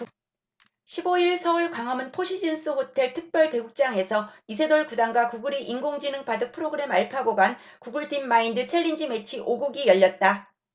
십 오 일 서울 광화문 포시즌스호텔 특별대국장서 이 아홉 단과 구글의 인공지능 바둑 프로그램 알파고 간 구글 딥마인드 챌린지 매치 오 국이 열렸다